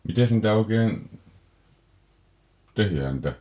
mitenkäs niitä oikein tehdään niitä